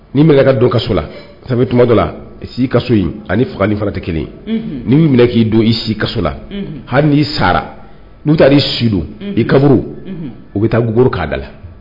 Ni'i m ka don kaso la sabutumajɔ la si ka so in ani fagali fara tɛ kelen n'' minɛ k'i don i si kaso la hali n'i sara n'u taara i su i kaburu u bɛ taa guguro'da la